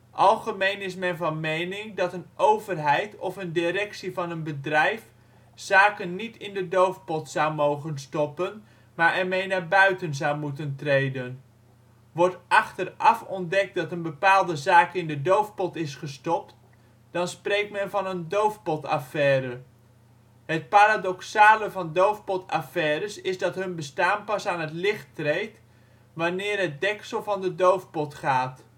Algemeen is men van mening dat een overheid of een directie van een bedrijf zaken niet in de doofpot zou mogen stoppen, maar ermee naar buiten zou moeten treden. Wordt achteraf ontdekt dat een bepaalde zaak in de doofpot is gestopt, dan spreekt men van een doofpotaffaire. Het paradoxale van doofpotaffaires is dat hun bestaan pas aan het licht treedt wanneer het deksel van de doofpot gaat